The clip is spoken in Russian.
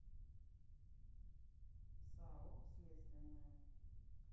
сао следственное